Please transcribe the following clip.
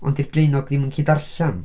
Ond 'di'r Draenog ddim yn gallu darllen.